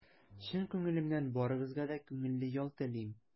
Чын күңелемнән барыгызга да күңелле ял телим!